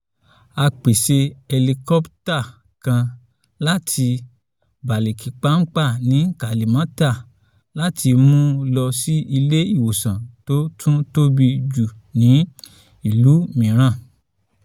A pèṣè hẹlikópítà kan láti Balikpapan ní Kalimantan láti mú lọ sí ilé ìwòsàn tó tún tóbi jù ní ìlú mìíràn.